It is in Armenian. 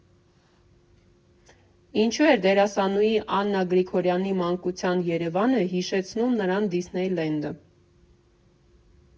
Ինչու էր դերասանուհի Աննա Գրիգորյանի մանկության Երևանը հիշեցնում նրան «Դիսնեյ Լենդը»։